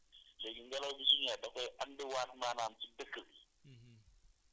day doon tusngeer léegi ngelaw bi su ñëwee da koy andiwaat maanaam si dëkk bi